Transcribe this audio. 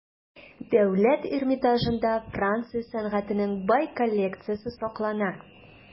Дәүләт Эрмитажында Франция сәнгатенең бай коллекциясе саклана.